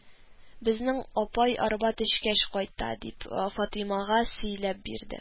– безнең апай арба төшкәч кайта, – дип, фатыймага сөйләп бирде